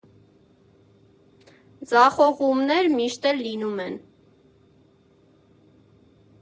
Ձախողումներ միշտ էլ լինում են։